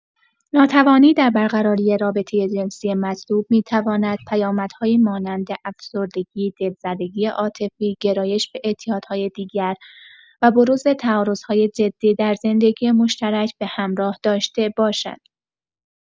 ناتوانی در برقراری رابطه جنسی مطلوب می‌تواند پیامدهایی مانند افسردگی، دل‌زدگی عاطفی، گرایش به اعتیادهای دیگر و بروز تعارض‌های جدی در زندگی مشترک به همراه داشته باشد.